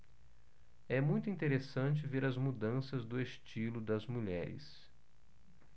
é muito interessante ver as mudanças do estilo das mulheres